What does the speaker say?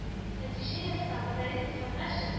Нәтиҗә ясап, фәрит мөхәммәтшин